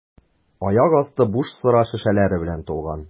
Аяк асты буш сыра шешәләре белән тулган.